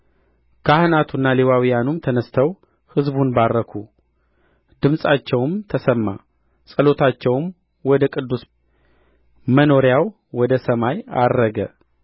ካህናቱና ሌዋውያኑም ተነሥተው ሕዝቡን ባረኩ ድምፃቸውም ተሰማ ጸሎታቸውም ወደ ቅዱስ መኖሪያው ወደ ሰማይ ዐረገ